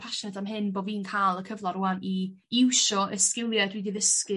pasiad am hyn bo' fi'n ca'l y cyfla rwan i iwsio y sgilia dwi 'di ddysgu